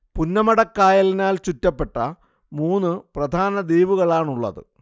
പുന്നമടക്കായലിനാൽ ചുറ്റപ്പെട്ട മൂന്ന് പ്രധാന ദ്വീപുകളാണുള്ളത്